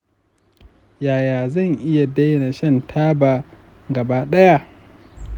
yaya zan iya daina shan taba gaba ɗaya?